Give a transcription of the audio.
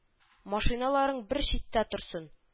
Машиналарын бер читтә торсын